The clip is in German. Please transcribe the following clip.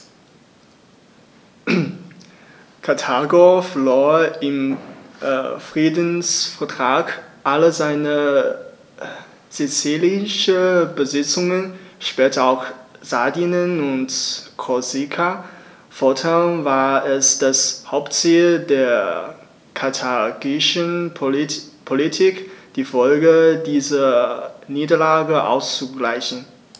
Karthago verlor im Friedensvertrag alle seine sizilischen Besitzungen (später auch Sardinien und Korsika); fortan war es das Hauptziel der karthagischen Politik, die Folgen dieser Niederlage auszugleichen.